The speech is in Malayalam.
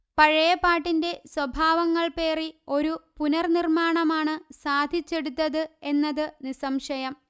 പഴയ പാട്ടിന്റെ സ്വഭാവങ്ങൾ പേറി ഒരു പുനർനിർമ്മാണമാണ് സാധിച്ചെടുത്തത് എന്നത് നിസ്സംശയം